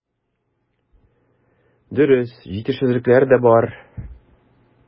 Дөрес, җитешсезлекләр дә бар.